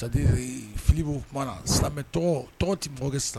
Sadi filibu tuma na tɔgɔ tɛ mɔgɔ sara